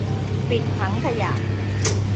ปิดถังขยะ